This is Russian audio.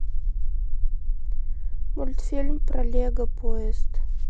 мультфильм про лего поезд